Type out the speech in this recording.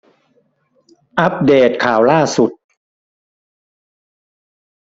อัพเดตข่าวล่าสุด